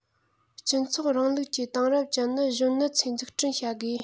སྤྱི ཚོགས རིང ལུགས ཀྱི དེང རབས ཅན ནི གཞོན ནུ ཚོས འཛུགས སྐྲུན བྱ དགོས